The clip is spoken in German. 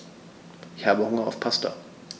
Ich habe Hunger auf Pasta.